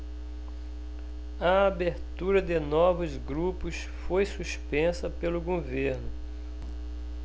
a abertura de novos grupos foi suspensa pelo governo